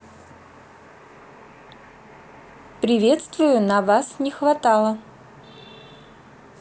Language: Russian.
приветствую на вас не хватало